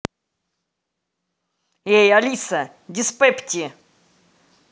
эй алиса диспепти